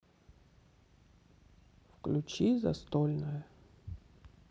включи застольная